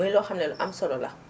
muy loo xam ne lu am solo la